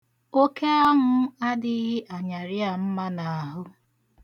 Oke anwụ adịghị anyarị a mma n'ahụ.